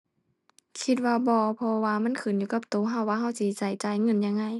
คิดว่าบ่ เพราะว่ามันขึ้นอยู่กับตัวตัวว่าตัวสิตัวจ่ายเงินยังไง